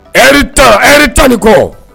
Ri ta hɛrɛri ta ni kɔ